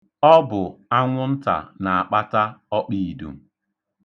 Ọ bụ anwụnta na-akpata ọkpiidum.